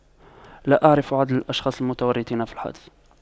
لا أعرف عدد الأشخاص المتورطين في الحادث